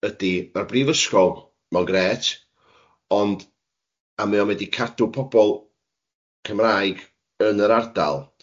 ydi... Mae'r Brifysgol, mae'n grêt, ond... A mae o wedi cadw pobol Cymraeg yn yr ardal